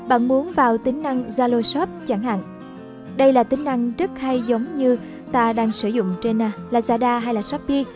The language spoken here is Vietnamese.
bạn muốn vào tính năng zalo shop chẳng hạn đây là tính năng rất hay giống như ta đang sử dụng trên lazada hay shopee